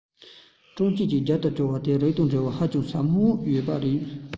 ཀྲུའུ ལི ཆན རྒྱབ ཏུ རྒྱབ སྐྱོར དེ རིགས དང འབྲེལ བ ཧ ཅང ཟབ པོ ཡོད པ རེད